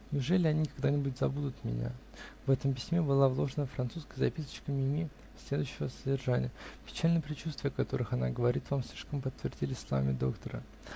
Неужели они когда-нибудь забудут меня?!" В этом письме была вложена французская записочка Мими, следующего содержания: "Печальные предчувствия, о которых она говорит вам, слишком подтвердились словами доктора.